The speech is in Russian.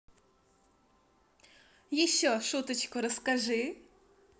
еще шуточку расскажи